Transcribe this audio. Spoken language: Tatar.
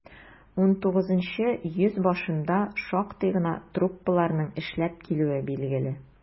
XIX йөз башында шактый гына труппаларның эшләп килүе билгеле.